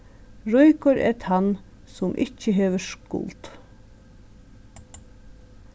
ríkur er tann sum ikki hevur skuld